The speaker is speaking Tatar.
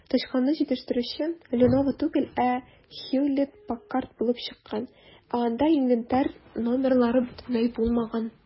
Тычканны җитештерүче "Леново" түгел, ә "Хьюлетт-Паккард" булып чыккан, ә анда инвентарь номерлары бөтенләй булмаган.